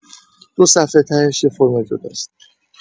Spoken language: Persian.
دو صفحه تهش یه فرم جداست.